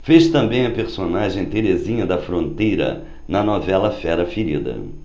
fez também a personagem terezinha da fronteira na novela fera ferida